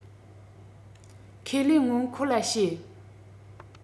ཁས ལེན སྔོན ཁོ ལ བཤད